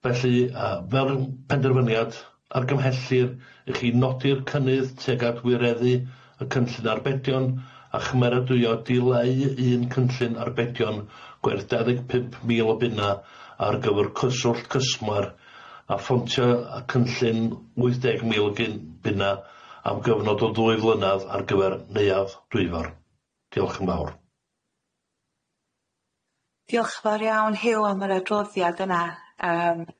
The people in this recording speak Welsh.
Felly yy fel yym penderfyniad argymhellir i chi nodi'r cynnydd tuag at wireddu y cynllun arbedion a chymeradwyo dileu un cynllun arbedion gwerth dau ddeg pump mil o bunna ar gyfer cyswllt cysmwar a ffontio y cynllun wyth deg mil gin bunna am gyfnod o ddwy flynaf ar gyfer neuadd dwyfar. Diolch yn fawr.